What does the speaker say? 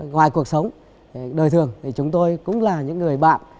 ngoài cuộc sống đời thường thì chúng tôi cũng là những người bạn